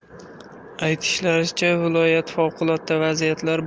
aytilishicha viloyat favqulotda vaziyatlar